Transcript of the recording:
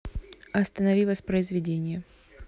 останови воспроизведение